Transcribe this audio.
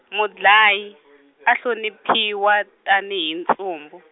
mudlayi, a hloniphiwa tani hi ntsumbu.